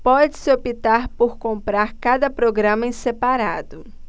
pode-se optar por comprar cada programa em separado